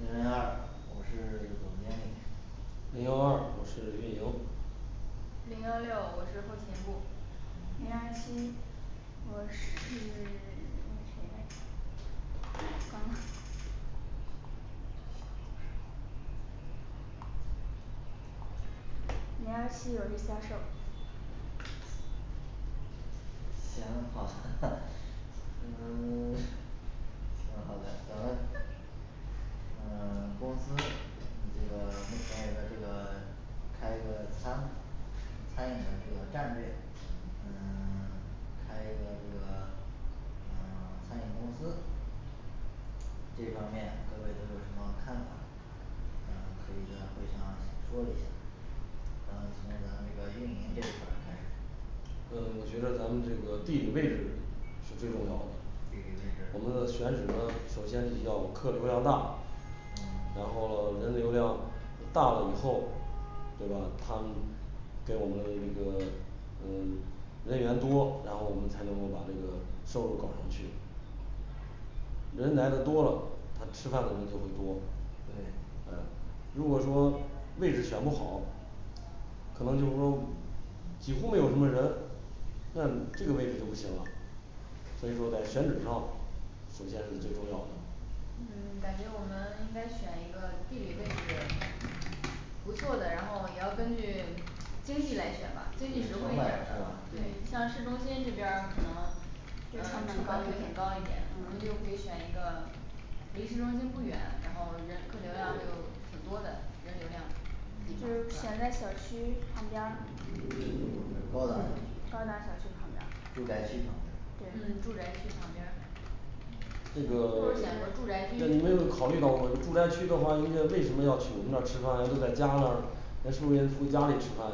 零零二我是总经理零幺二我是运营零幺六我是后勤部零二七我是 我是谁来着完了零二七我是销售行好吧 嗯 嗯 开一个这个呃 餐饮公司这方面各位都有什么看法？嗯可以在会上说一下。呃从咱们这个运营这一块儿开始嗯我觉得咱们这个地理位置是最重要地的，我理们位置的选址呢首先你要客流量大嗯然后人流量大了以后，对吧？他们跟我们那个嗯人员多，然后我们才能够把这个收入搞上去人来的多了，他吃饭的人就会多，对嗯如果说位置选不好可能就是说几乎没有什么人，那这个位置就不行了。所以说在选址上首先你最重要的嗯感觉我们应该选一个地理位置，不错的，然后也要根据经济来选吧节经约济实成惠一本点儿是的吧对，对像市中心这边儿可能就嗯是成本高一些高高一点一点，我们就可以选一个离市中心不远，然后人客流量又挺多的人流量也就是就选这个在小区旁边儿高高档档小小区区旁旁边边儿儿，，对住宅区旁边儿嗯住宅区旁边儿。嗯这或个者选择住宅 区那你们有考虑到过这住宅区的话，应该为什么要去你们那儿吃饭人都在家呢那是不是应回家里吃饭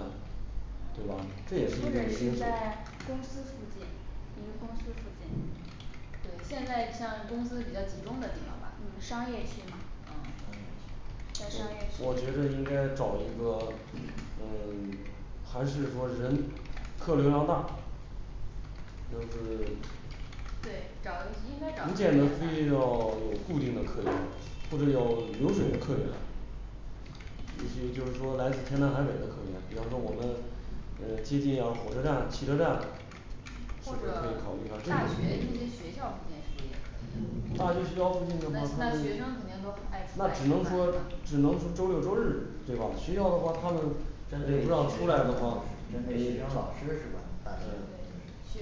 对吧这也或者是一个是一个在公司附近你们公司附近对，现在你像公司比较集中的地方吧嗯嗯商业区嘛商业区在商业我我区觉得应该找一个嗯 还是说人客流量大就是 对找一应该找一不反见得非要正有固定的客源或者有流水的客源一些就是说来自天南海北的客源，比方说我们嗯接近啊火车站汽车站是或者不是可以考虑下这大学些那些学校附近是不是也可，大学学校附近以那那学生肯定都爱爱，出那来是只吧能这块说只儿能从周六周日对吧？学校的话他们针对于学生针也对学不让出来的话就是生老师是吧大学就是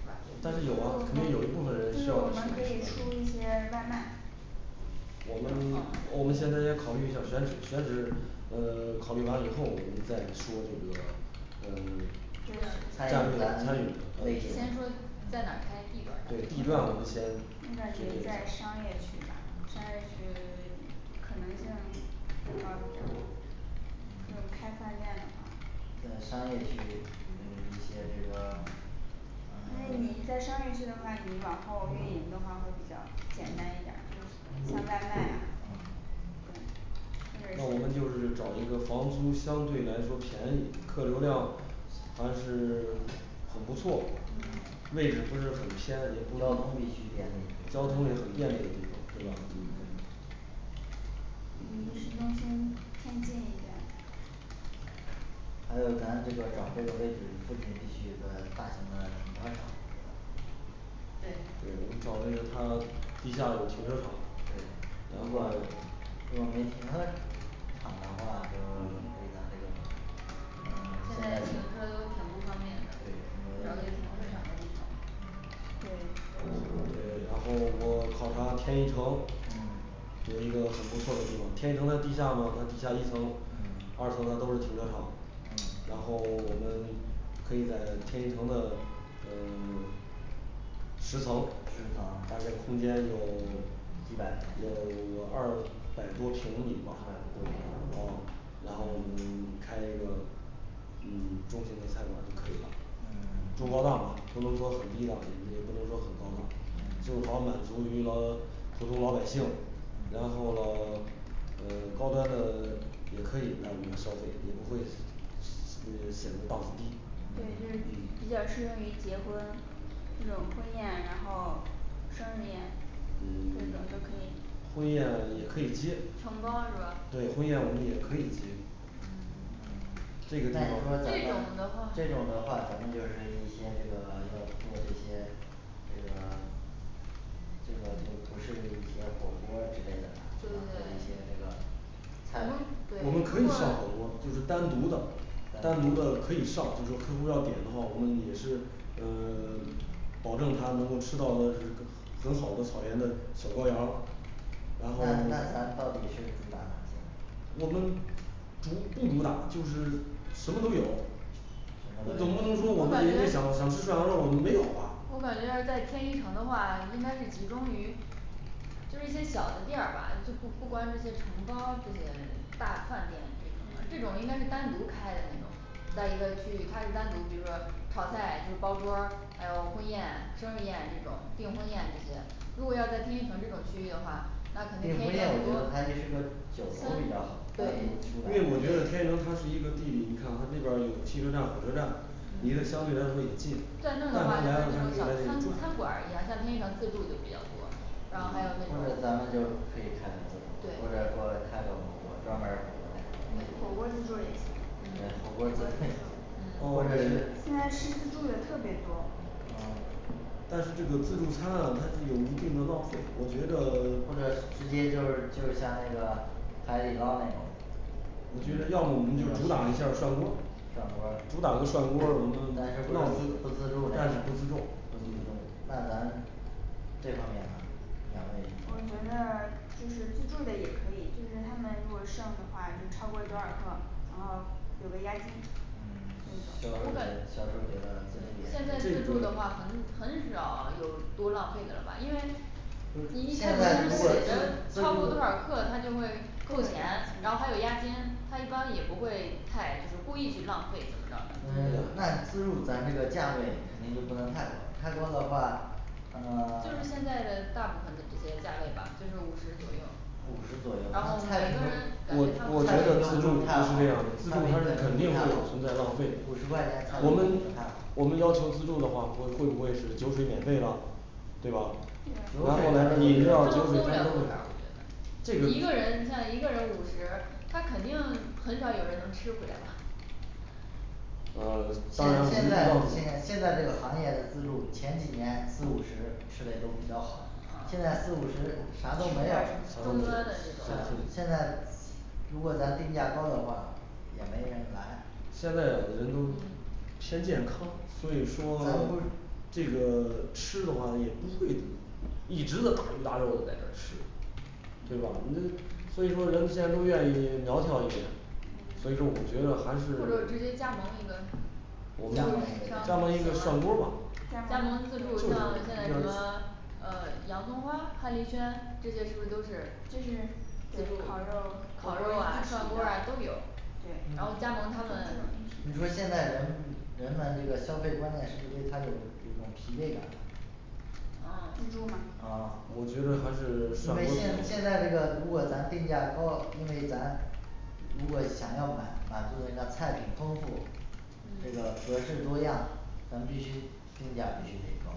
是吧但是有有啊肯定没有有一可部分能人就需是我要们可以出一些外卖我们我们现在先考虑一下选址，选址嗯考虑完以后我们再说那个，嗯就是嗯我感觉 呃餐餐饮饮咱对先说的在哪儿开点，对地段儿吧段我们先就是在商业区吧可能性更高一点儿就开饭店的吧这商业区嗯一些这个 嗯对那我们就是找一个房租相对来说便宜，客流量还是很不错，位置不是很偏交通必须便利，，交通也很便利的地方，对嗯吧嗯离市中心偏近一点还有咱这个找这个位置附近地区的大型的停车场对对我们找那个它地下有停车场现在停车挺不方便找个停车场的位置对对，然后我考察天一城嗯有一个很不错的地方，天一城的地下嘛那地下一层，二嗯层那都是停车场。嗯然后嗯我们可以在天一城的嗯十层十大概空层，间有 有几百平，二二百百多多平平米米吧然后我们开一个嗯中心的餐馆儿就可以了，嗯中高档吧不 能说很低档的，也不能说很高档，正嗯好满足一个普通老百姓然后嗯了呃高端的也可以来我们这消费，也不会嗯显得档低嗯对就是比嗯 呢较适用于结婚。 那种婚宴然后生日宴。嗯这种都 可婚以宴我们也可以接承包是吧嗯对，婚宴我们也可以接 那这你个说地咱们方，这这种的话，种的话咱们就是一些这个要做这些这个这个就不是要火锅之类的啦对要一些对这个对我们可以上火锅儿，就是单独的单独的可以上，就说客户要点的话我们也是嗯 保证他能够吃到那是很好的草原的小羔羊那然那咱后 到底是主打哪个我们主不主打就是什么都有总总不不我感觉能说能我我感们店内想想吃啥那我们没有吧觉要是在天一城的话应该是集中于就是一些小的店儿吧，就不不光是这些承包这些大饭店，这种的这种应该是单独开的那种如果要在天一城这种区域的话，那肯也定三没对有说它也是个酒楼比较好单独出因来为我你觉得知道吧天一城它是一个地理，你看它这边有汽车站火车站离得相对来说也近在那那的话他来就了是那他可种以小在餐这里餐馆儿一样你看像天一城自助的比较多或然后还有那者咱个，们就是可以开个自对助，或火者说开个火锅儿专门儿火锅锅儿儿自自助助 也行火锅自嗯或者助，现是在吃自助的特别多但是这个自助餐啊它是有一定的浪费，我觉得或 者直接就是就是像那个海底捞那种我，觉得要不我们就主打一下儿涮涮锅锅儿，主打个涮锅儿我们，儿，但是不那我自们助不自助呢但是不不自自助助那咱这方面呢。 两位我你觉怎么得看就是自助的也可以，就是他们如果剩的话就超过了多少克，然后有个押金嗯销对售的我觉感得销售觉得自助现在自助这也可以的话个很少有多浪费的了吧，因为不你是现在如果真自超过多助少克，他就会扣钱，然后还有押金，他一般也不会太就故意去浪费的嗯 那自助咱这个价位肯定就不能太高太高的话啊就是现在 的大部分的这些价位吧都是五十左右五十左然后每个人感觉右那菜品都我我菜觉他们品得就他那不用个五十太好菜是这品样的，自助餐肯是肯定定不太会有存在好浪费五十块钱菜品肯定不太好我们要求自助的话会会不会是酒水免费啦对吧？然后来酒水这饮料酒水他都不想这个一个人你看一个人五十他肯定很少有人能吃回来呃当现然现在那我个们知道现在这个行业的自助前几年四五十吃得也都比较好，现在四五十啥都没有了现在如果咱定价高的话，也没人来现在人都偏健康所以说 这个吃的话也不会一直的大鱼大肉在这吃对吧人所以说人现在都愿意 苗条一点儿，所以说我觉得还是或者直接 加盟一个我自助们自加加助盟一个盟运一营个商涮就锅行儿吧啦加盟自助像现在那个呃洋葱花、汉丽轩这些是不是都是这自是助烤肉火锅啊涮锅儿啊都有对，然后加自助饮盟他们，你说品现在人人们这个消费观念是不是对他有有种疲惫感呢啊自助吗啊，因我觉得还是涮锅为现现儿在比较如果咱定价高，因为咱如果想要满满足那个菜品丰富，那个嗯格式多样，咱必须定价必须得高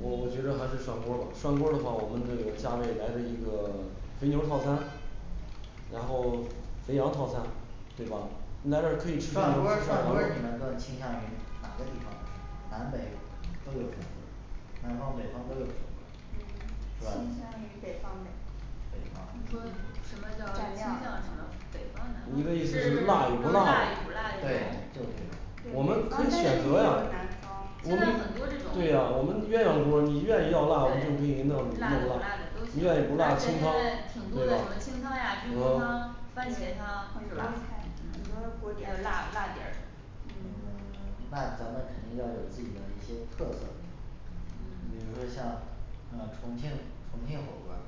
我我觉得还是涮锅儿吧，涮锅儿的话我们这个价位来这一个肥牛儿套餐然后肥羊套餐对吧？你来这儿涮可以吃肥牛和锅涮涮羊锅你们肉更倾向于哪个地方的？南北都有涮锅南方北方都有涮锅嗯倾向于北方呗北方嗯蘸料儿啊什么你的意思是辣与不辣对就是这种对我然后们可这以次也选有择呀南我现方们在很多这对呀我种们鸳鸯锅儿你对辣的不辣的都行而且现在挺多的你说愿意要辣我们就给你弄弄辣的，你愿意不辣清汤对吧这个清汤呀菌菇汤对很番茄汤是多吧菜很那多锅种就底儿是辣辣底儿呃嗯 那咱们肯定要有自己的一些特色比如像嗯重庆重庆火锅儿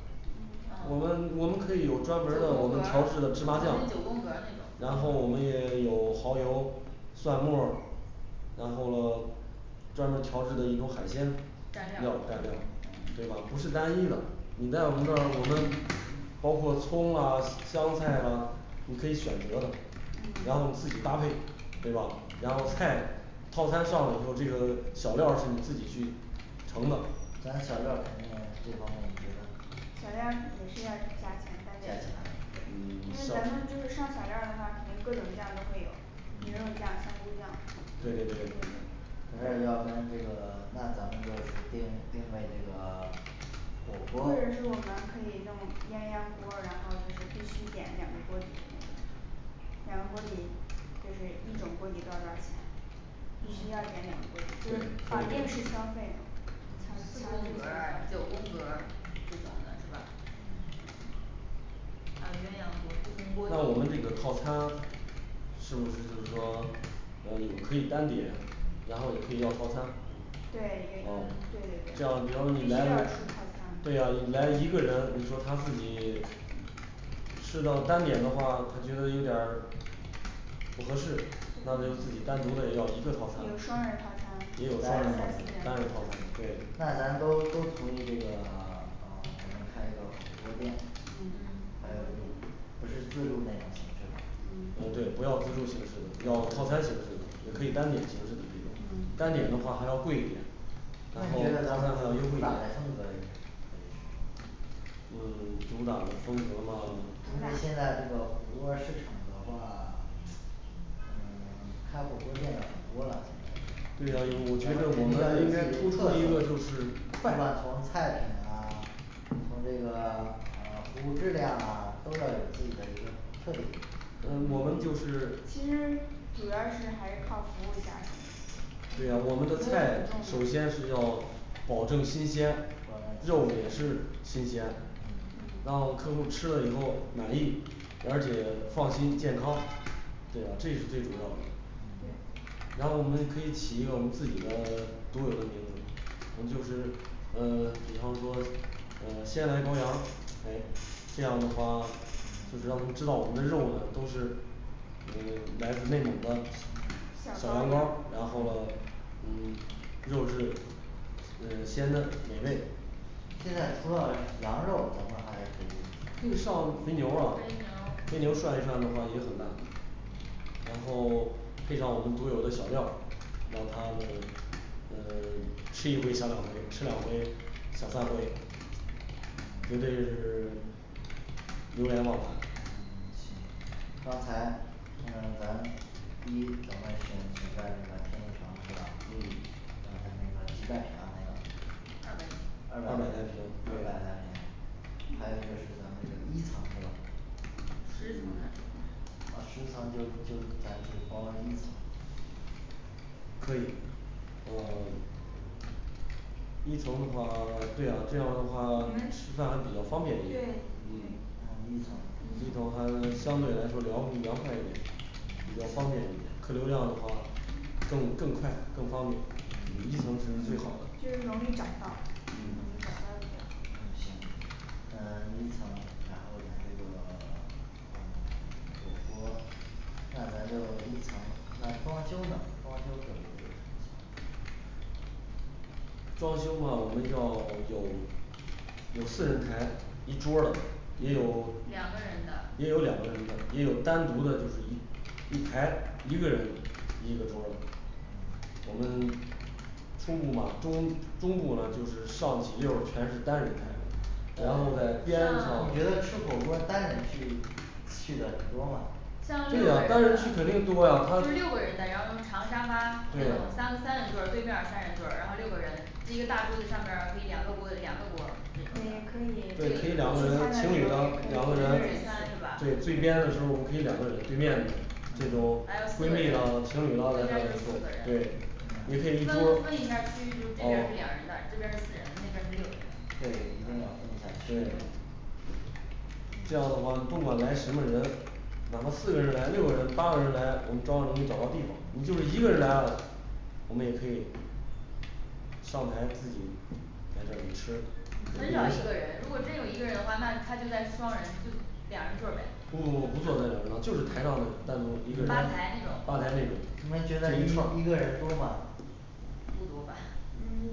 嗯，九宫格儿九重庆我们我们可以有专门儿的我们调制的芝麻酱宫格儿，那然种后我们也有蚝油，蒜末儿，然后专门儿调制的一种海鲜蘸料料蘸料儿，对吧？不是单一的，你在我们这儿我们包括葱啊香菜啦你可以选择的然后嗯自己搭配对吧？ 然后菜套餐上了以后，这个小料儿是你自己去盛的咱小料儿肯定这方面我觉得小料儿也是要加钱单加点的吧，对钱嗯因为小咱们就是上小料儿的话肯定各种酱都会有牛肉酱香菇酱对对对对对。咱这儿要跟这个 那咱们就定定位这个 火或者是我锅们可以在鸳鸯锅儿然后就是必须点两个锅底两个锅底，就是一种锅底多少多少钱？必须要嗯选两锅对底，就是对绑定对式消费对强不强制不九强制宫格儿这种的是吧嗯对还有鸳鸯锅不那行我锅们这底个套餐，是不是就是说嗯也可以单点然后也可以要套餐。对也嗯嗯对对这对样比方必说你须要来出套，对餐呀你来一个人你说他自己 吃的单点的话他就有点儿不合适，那就自己单独的要一个套餐有，双单人儿套餐单人人套套餐餐对那咱都都同意这个 呃咱们开一个火锅店还嗯嗯有就不是自助那种形式了呃嗯对，不要自助形式的，要套餐形式的也可以单点形式的那种单点的话还要贵一点那然你后觉适得咱当们的优优惠惠打的风格是可以嗯 是什主打的风格话么如果主现打在这个火锅儿市场的话 嗯 开火锅店的很多了，不对呀，因我觉得我们应该突出一个就是快管从菜品啊，从这个啊服务质量啊都要有自己的一个特点嗯我们就是其实主要是还是靠服务下手对啊服我务很们的重菜首先要是要保证新鲜呃肉也是新鲜然后客户吃了以后满意，而且 放心健康，对吧？这是最主要的然后我们可以起一个我们自己的独有的名字。可能就是嗯比方说嗯鲜来羔羊诶这样的话就是让他们知道我们的肉呢都是嗯来自内蒙的，小小羊羔羔羊然后呢嗯肉质嗯鲜嫩美味现在除了羊肉，咱们还可可以以上肥牛儿啊，肥肥牛牛涮一涮的话也很烂啦然后配上我们独有的小料儿，让他们嗯 吃一回想两回吃两回想三回绝对是 流连忘返，嗯行嗯刚才嗯咱第一，咱们选选地儿是在天一城对吧，嗯刚才那个几百平方米的二二二百来平百百来来平二平百来平米还有就是咱们那个一层是吧十层的嗯哦十层就就咱就包一层可以。哦 一层的话对呀这样的话我们吃吃饭还比较方便一点对对，嗯一层一层还嗯相对来说凉凉快一点比较方便一点儿，客流量的话更更快更方便，一层才是最好就是的容易找到容易找到那个嗯行那你找到然后他那个火锅那咱就一层还装修呢装修这个东西装修嘛我们要有有四人才一桌儿的，也有两两个个人人的，的也有单独的就是一一排一个人一个桌儿的我们初步嘛中中部呢就是上几溜儿全是单人排然后在边像上你觉 得吃火锅儿单人去去的多吗像六对呀个单人人的，区肯定多呀他就六个人的然后用长沙发那种对三三人座儿对面三人座儿，然后六个人这一个大桌上边儿可以两个锅两个锅儿对这也可以种的就对现可以在这两个个人情侣的一两个个人人餐是吧，也对可以最边的时候我们可以两个人对面的这种闺蜜啊情侣啊在这里坐，啊对。也可以说对对一定要分一下区域这样的话不管来什么人，咱们四个人来六个人八个人来，我们照样能给找到地方，你就是一个人来了，我们也可以上来自己来这里吃，不不不很少一个人，如果真有一个人的话，那他就在双人就俩人座儿呗不坐那两个就是台上的单独一个，人，吧吧台台那那种种你们觉得一一个人多吗不多吧 嗯你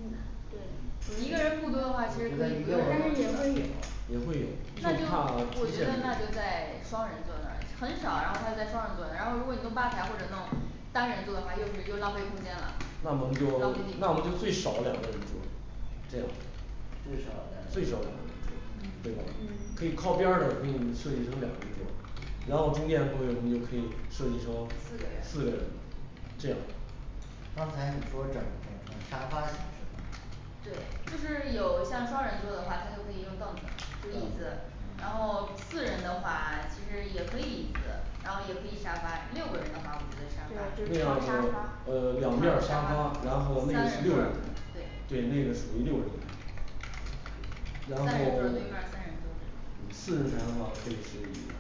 对，但有是一个人不多一个一个人的话，其实可以那也也会有会有就就怕我出觉现得那就在双人座那儿，很少让他在双人座那儿，然后你弄吧台或者弄单人座还又是又浪费空间了那浪我们就那我费们地就皮最少两个人坐这样最至少少咱弄对两吧人桌嗯可以嗯靠边上，可以设计成两人座儿，然后中间部位我们就可以设计成四四个个人人这样刚才你说整整成沙发形式的对就是有像双人座儿的话他就可以用凳子。用椅子啊，然后嗯四人的话其实也可以椅子，然后也可以沙发，六个人的话我对觉得那就沙发样长沙的发呃两长面儿沙沙发发然后三那人个是座六人儿的对对那个属于六人三人座儿对面然后 三人坐着嗯四人台的话可以是一对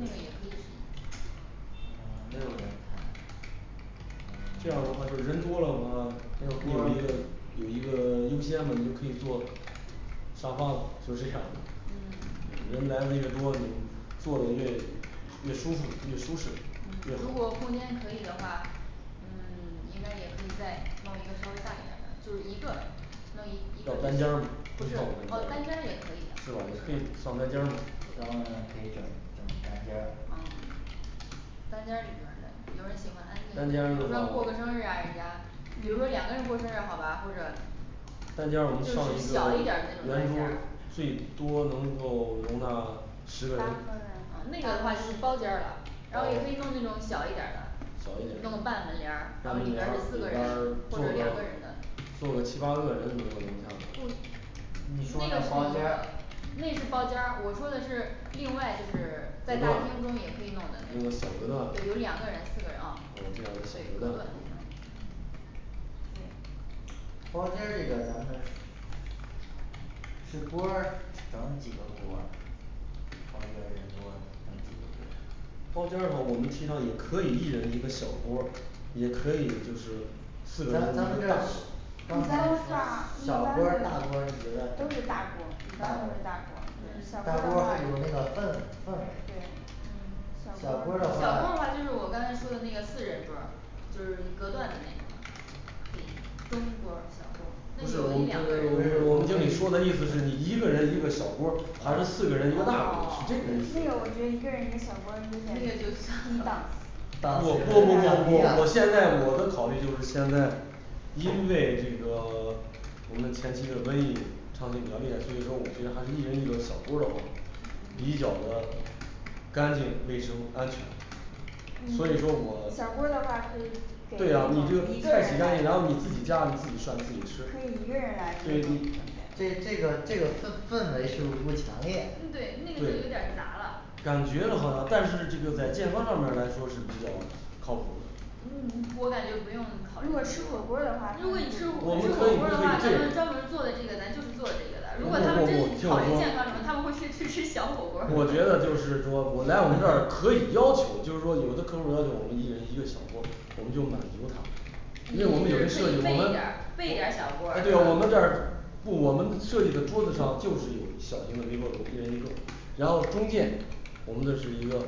个个也可以是嗯没有人才这样的话就是人多的话有一个有一个优先的你就可以做沙发就这样。嗯 人来的越多，你坐的越越舒服越舒适，上单间儿吗，是吧也可以上单间儿嘛咱们可以整整单间儿单间儿有的人，有人喜欢安静单，比间儿那如个说过个生日啊人家，比如说两个人过生日好吧或者单间儿我就们是小上一一个点儿的那 种单间儿圆桌做多能够容纳十八个人，那个人个的话就是包间儿了然后也可以哦弄那种小一点儿小一点的，的，弄半半门门帘帘儿儿里里面边四个人儿或者两个人的坐个七八个人能不能容下呢你说那包间儿那是包间儿，我说的是另外就隔断那种是在大厅中也可以弄的小隔断对有两个人四个人啊对隔断就行包间这个咱们是锅儿整几个锅儿包间儿人多整几个锅儿包间儿的话我们提倡也可以，一人一个小锅儿也可以就是四个人一个咱咱们这大样锅一般的上小一般锅儿大的锅都是儿大锅儿，大一般锅都是大大锅嗯锅，对小儿锅的会话有那个对氛氛围小嗯小锅小锅锅儿的儿儿的话就是话我刚才说的那个四人桌儿就是隔断里面可以中锅儿小锅儿不那是我个一们两个不不是是我我们们可人经理以说的意思是你一个人一个小锅儿还是四啊个人一个大哦锅是这个意 那思个我觉得一个人一个小锅有那点低个低就档 不不不现在我的考虑就是现在因为那个 我们前期的瘟疫猖獗比较厉害所以我觉得一个人一个小锅儿的好比较的干净卫生安全所以说我小锅的话可以，给对呀那种你就一个在你人家来的那然种后可你自己以一个夹人自己涮自己吃来的，对那种这对这个这个氛氛围是不是不强烈，嗯对那个就有点儿杂了感觉好像但是这个在电锅儿上面来说是比较靠谱的如果吃火锅的话他们对我们可以就可以这不不不不听我说我觉得就是说来我们这儿可以要求就是说有的客户儿要求我们一人一个小火锅儿我们就满足他因你为有意人设思计是我备备们点儿备点儿小锅我呃对我们这儿儿，不我们设计的桌子上就是有小型的微波炉一人一个然后中间我们这是一个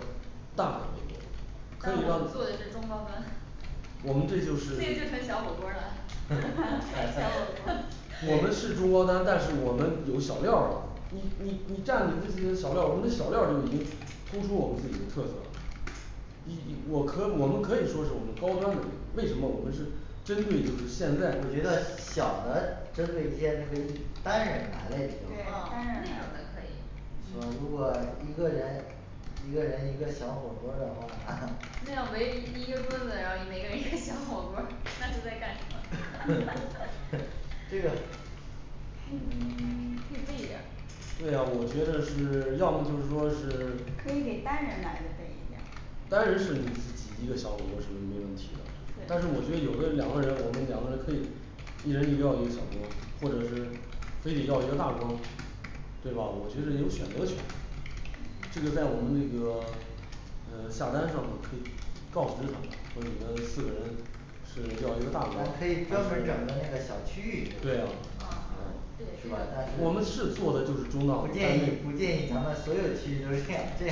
大的微那你波要炉做可以让的是中高端这就成小火锅啦 小火锅 我们是中高端但是我们有小料儿啊你你你蘸着你自己的小料儿就已经突出我们自己的特色了一一我可我们可以说是我们高端的呃为什么我们是针对现在我觉得小的针对一些单人来了啊那对以单后人来种的的可可以以是吧如果一个人一个人一个小火锅儿的话 那样围一个桌子，然后每个人一个小火锅儿，那都在干什么 这个配嗯配备一点儿 对啊，我觉得是. 要么就是说是可 以给单人来的备一点儿单人是你一个小火锅儿是没问题的，但是我对觉得有的两个人我们两个人可以一人一票一个小锅儿或者是非得要一个大锅儿，对吧？我觉得你有选择权这个在我们那个呃下单上可以告知他们说你们四个人是要一个大锅咱儿可以专门整个那个小区域，对啊啊是吧，，我们是做的就是中档不建议不建议咱们所有区域都是这样这